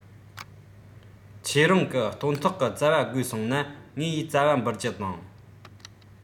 ཁྱེད རང གི སྟོན ཐོག གི ཙ བ དགོས གསུངས ན ངས ཙ བ འབུལ རྒྱུ དང